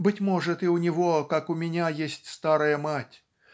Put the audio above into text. Быть может, и у него, как у меня, есть старая мать.